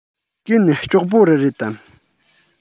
གན ལྕོགས པོ རི རེད དམ